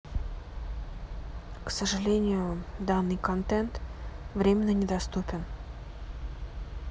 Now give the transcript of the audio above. к сожалению данный контент временно недоступен